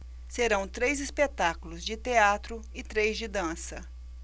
serão três espetáculos de teatro e três de dança